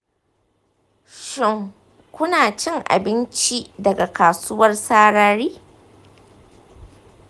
shin kuna cin abinci daga kasuwar sarari